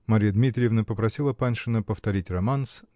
Марья Дмитриевна попросила Паншина повторить романс